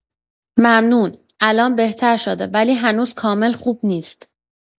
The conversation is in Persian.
ممنون، الان بهتر شده ولی هنوز کامل خوب نیست.